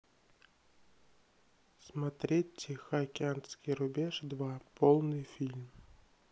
смотреть тихоокеанский рубеж два полный фильм